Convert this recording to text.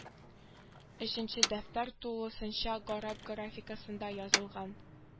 Өченче дәфтәр тулысынча гарап графикасында язылган